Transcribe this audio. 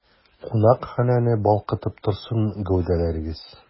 Кунакханәне балкытып торсын гәүдәләрегез!